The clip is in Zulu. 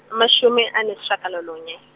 amashumi anesishagalolunye.